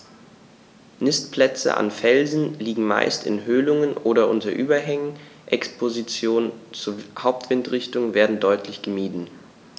Nistplätze an Felsen liegen meist in Höhlungen oder unter Überhängen, Expositionen zur Hauptwindrichtung werden deutlich gemieden.